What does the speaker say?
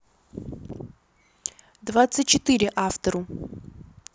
двадцать четыре автору